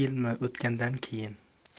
yilmi o'tgandan keyin